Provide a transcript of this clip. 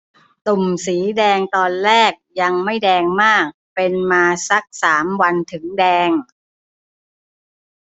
ตุ่มสีแดงตอนแรกยังไม่แดงมากเป็นมาสักสามวันถึงแดง